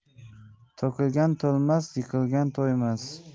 to'kilgan to'lmas yiqilgan to'ymas